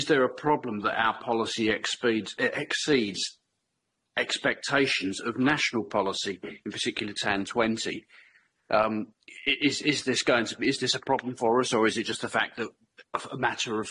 Is there a problem that our policy expeed- uh exceeds expectations of national policy in particular ten twenty yym is is this going to be is this a problem for us or is it just a fact that of a matter of